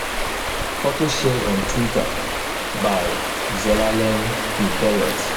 Photo shared on Twitter by Zelalem Kiberet.